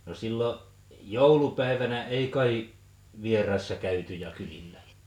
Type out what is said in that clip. no silloin joulupäivänä ei kai vieraissa käyty ja kylillä